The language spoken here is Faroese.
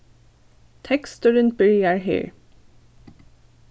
teksturin byrjar her